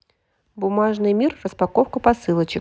бумажный мир распаковка посылочек